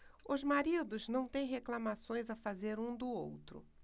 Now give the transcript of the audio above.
os maridos não têm reclamações a fazer um do outro